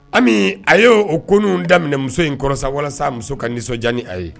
A y' o kunun daminɛ muso in kɔrɔsa walasa muso ka nisɔnjan a ye